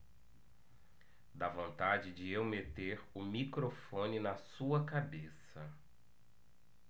dá vontade de eu meter o microfone na sua cabeça